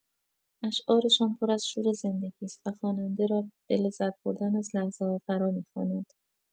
اشعارشان پر از شور زندگی است و خواننده را به لذت‌بردن از لحظه‌ها فرامی‌خواند.